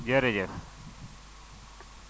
jërëjëf